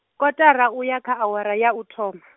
kotara uya kha awara ya u thoma.